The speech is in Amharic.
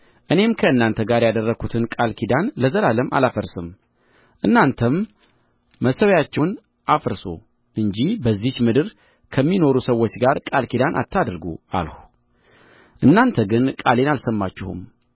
እኔም ከእናንተ ጋር ያደረግሁትን ቃል ኪዳን ለዘላለም አላፈርስም እናንተም መሠዊያቸውን አፍርሱ እንጂ በዚህች ምድር ከሚኖሩ ሰዎች ጋር ቃል ኪዳን አታድርጉ አልሁ እናንተ ግን ቃሌን አልሰማችሁም